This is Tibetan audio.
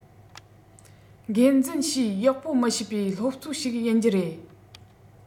འགོ འཛིན བྱས ཡག པོ མི བྱེད པའི སློབ གཙོ ཞིག ཡིན རྒྱུ རེད